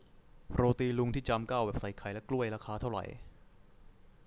โรตีลุงที่จามเก้าแบบใส่ไข่และกล้วยราคาเท่าไหร่